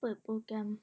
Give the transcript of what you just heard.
เปิดโปรแกรม